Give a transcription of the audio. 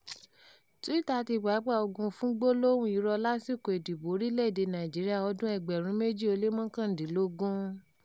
Twitter di pápá ogun fún gbólóhùn irọ́ lásìkò ìdìbò orílẹ̀-èdèe Nàìjíríà ọdún-un 2019